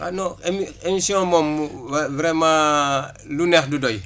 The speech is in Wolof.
à non émi émission moom vraiment lu neex du doy